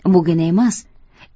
bugina emas